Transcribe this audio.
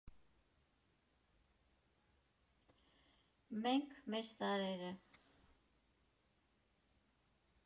Մե՛նք ենք մեր սարերը։